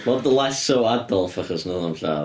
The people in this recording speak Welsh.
Ond less efo Adolf, achos wnaeth o'm lladd...